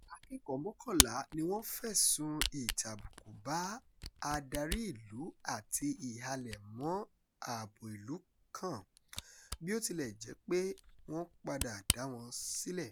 Akẹ́kọ̀ọ́ mọ́kànlá ni wọ́n fẹ̀sùn "ìtàbùkù bá adarí ìlú" àti "ìhàlẹ̀ mọ́ ààbò ìlú" kàn, bí ó tilẹ̀ jẹ́ pé wọ́n padà dá wọn sílẹ̀.